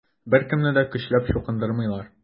Беркемне дә көчләп чукындырмыйлар.